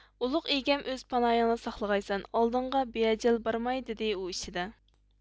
ئۇلۇغ ئىگەم ئۆز پاناھىڭدا ساقلىغايسەن ئالدىڭغا بىئەجەل بارماي دىدى ئۇ ئىچىدە